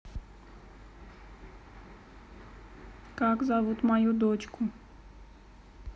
как мою зовут дочку